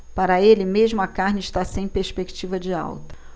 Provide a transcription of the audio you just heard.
para ele mesmo a carne está sem perspectiva de alta